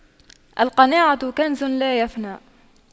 القناعة كنز لا يفنى